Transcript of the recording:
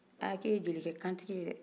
ah k'e ye jelikɛ kantigi ye dɛ